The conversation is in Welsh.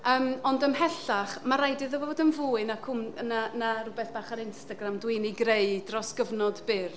yym ond ymhellach, ma' raid iddo fo fod yn fwy 'na cwm- 'na 'na rywbeth bach ar Instagram dwi'n ei greu dros gyfnod byr.